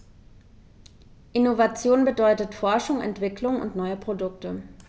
Innovation bedeutet Forschung, Entwicklung und neue Produkte.